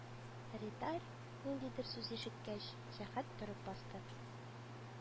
Ретарь, ниндидер сүз ишеткәч, җәһәт торып басты